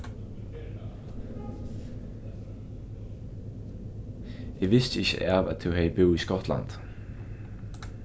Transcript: eg visti ikki av at tú hevði búð í skotlandi